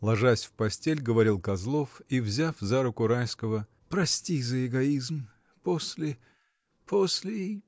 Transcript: — ложась в постель, говорил Козлов, и взяв за руку Райского, — прости за эгоизм. После. после.